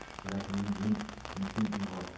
hazratimni men nechun uyg'otdim